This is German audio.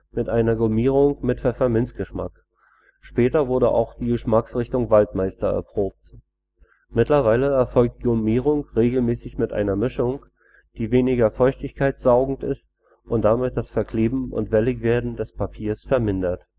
mit einer Gummierung mit Pfefferminzgeschmack, später wurde auch die Geschmacksrichtung Waldmeister erprobt. Mittlerweile erfolgt die Gummierung regelmäßig mit einer Mischung, die weniger feuchtigkeitssaugend ist und damit das Verkleben und Welligwerden des Papiers vermindert